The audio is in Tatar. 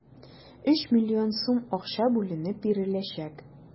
3 млн сум акча бүлеп биреләчәк.